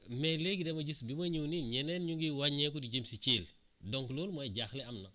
mais léegi dama gis bi ma ñëw nii ñeneen ñu ngi wàññeeku di jëm si Thièl donc loolu mooy jaaxle am na